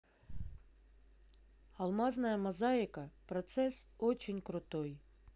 алмазная мозаика процесс очень крутой